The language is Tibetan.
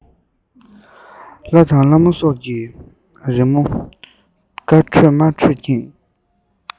ལྷ དང ལྷ མོ སོགས ཀྱི རི མོ དཀར ཁྲ དམར ཁྲས ཁེངས